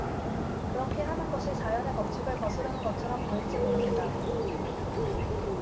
그렇게 하는 것이 자연의 법칙을 거스르는 것처럼 보일지 모릅니다